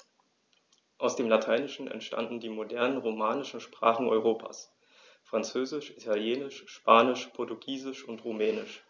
Aus dem Lateinischen entstanden die modernen „romanischen“ Sprachen Europas: Französisch, Italienisch, Spanisch, Portugiesisch und Rumänisch.